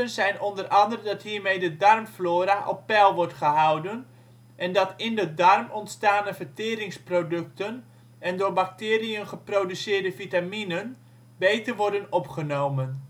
zijn onder andere dat hiermee de darmflora op peil wordt gehouden en dat in de darm ontstane verteringsproducten en door bacteriën geproduceerde vitaminen beter worden opgenomen